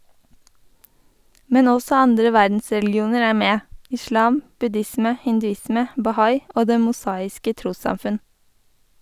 Men også andre verdensreligioner er med - islam, buddhisme, hinduisme, bahai og det mosaiske trossamfunn.